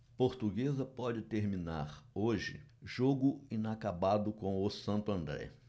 portuguesa pode terminar hoje jogo inacabado com o santo andré